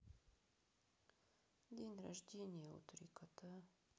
день рождения у три кота